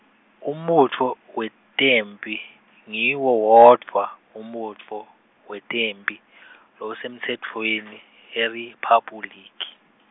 umbutfo we temphi, ngiwo wodvwa umbutfo wetemphi, losemtsetfweni eRiphabhulikhi.